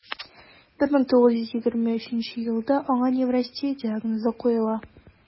1923 елда аңа неврастения диагнозы куела: